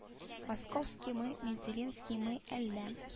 Московский мы мензелинский мы әллә